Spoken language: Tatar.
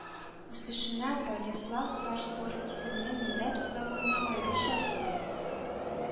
Үсешенә болеслав сашбор исемле милләт узаманы аеруча зур